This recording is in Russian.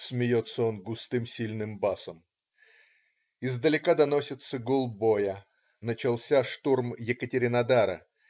"- смеется он густым сильным басом. Издалека доносится гул боя. Начался штурм Екатеринодара.